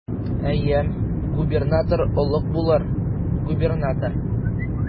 Әйе, губернатор олуг булыр, губернатор.